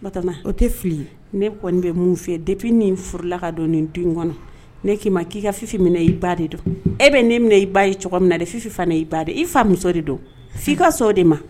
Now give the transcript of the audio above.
Batɔma ne kɔni be mun fi ye depuis ne furula ka don nin du in kɔnɔ, ne ki ma ki ka fifi minɛ i ba de don. E bɛ ne minɛ i ba ye cogo min na dɛ, fifi fana i ba don . I fa muso de don . Fi ka sɔn de ma.